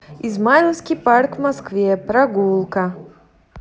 измайловский парк в москве прогулка